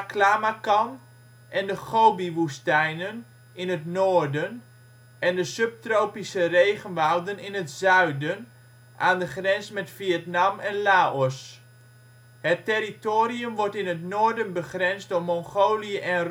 Taklamakan - en de Gobi-woestijnen in het noorden en de subtropisch regenwouden in het zuiden aan de grens met Vietnam en Laos. Het territorium wordt in het noorden begrensd door Mongolië en